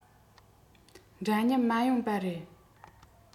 འདྲ མཉམ མ ཡོང བ རེད